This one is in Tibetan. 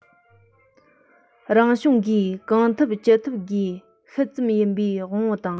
རང བྱུང གིས གང ཐུབ ཅི ཐུབ སྒོས ཤུལ ཙམ ཡིན པའི དབང པོ དང